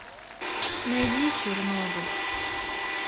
найди чернобыль